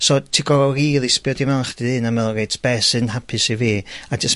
So ti gor'o' rili sbio du mewn chdi hunan me'wl reit be' sy'n hapus i fi, a jyst